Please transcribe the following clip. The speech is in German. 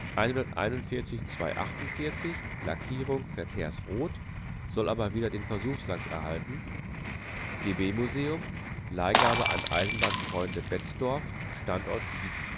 141 248 (Lackierung: verkehrsrot, soll aber wieder den Versuchslack erhalten, DB-Museum, Leihgabe an Eisenbahnfreunde Betzdorf, Standort Siegen